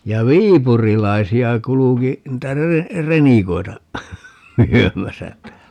ja viipurilaisia kulki niitä - renikoita myymässä täällä